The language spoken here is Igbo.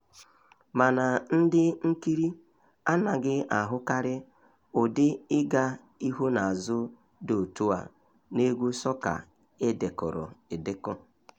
Mana ndị nkiri anaghị ahụkarị ụdị ịga ihu na azụ dị otu a n'egwu sọka e dekọrọ edekọ.